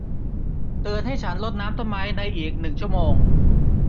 เตือนให้ฉันรดน้ำต้นไม้ในอีกหนึ่งชั่วโมง